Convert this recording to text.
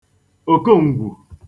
òkoǹgwù